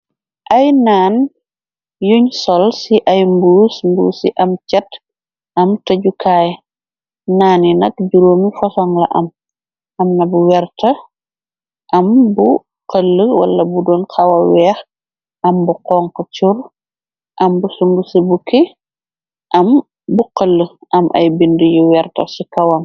Ay naan yuñ sol ci ay mbuus, mbuus yu am cet am tëjukaay naan yi nak juróomi fosoŋ la am amna bu werta, am bu xël wala bu doon xawa weex am bu xonxu cur am bu sun'ngufi bukki am bu xël am ay bindi yu werta ci kawam.